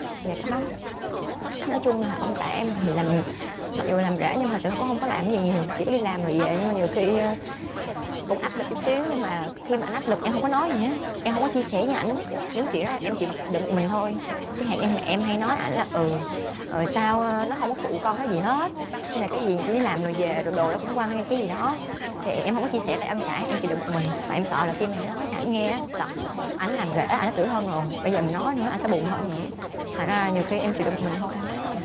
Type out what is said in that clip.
dạ có nói chung là ông xã em thì làm mặc dù làm rể nhưng mà sẽ không có làm gì nhiều chỉ làm rồi về nhưng mà nhiều khi cũng áp lực chút xíu nhưng mà khi anh áp lực em không có nói ế em không có chia sẻ với ảnh những chuyện đó em chịu đựng một mình thôi chảng hạn như mẹ em hay nói ảnh là ừ ờ sao nó không có phụ con cái gì hết hay là cái gì chỉ đi làm rồi về rồi đồ nó cũng quăng hay cái gì đó thì em không có chia sẻ là ông xã em chịu đựng một mình tại em sợ là khi mà em nói cho ảnh nghe á sợ ảnh làm rể ảnh tủi thân rồi bây giờ mình nói nữa anh sẽ buồn hơn nữa thành ra nhiều khi em chịu đựng một mình thôi em không có nói